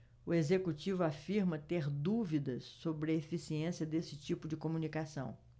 o executivo afirma ter dúvidas sobre a eficiência desse tipo de comunicação